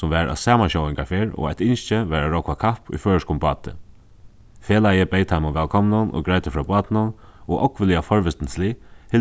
sum var á samansjóðingarferð og eitt ynski var at rógva kapp í føroyskum báti felagið beyð teimum vælkomnum og greiddi frá bátunum og ógvuliga